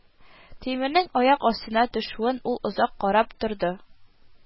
Тимернең аяк астына төшүен ул озак карап торды